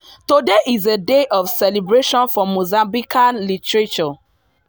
Today is a day of celebration for Mozambican Literature.